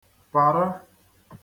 para